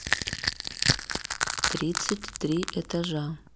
тридцать три этажа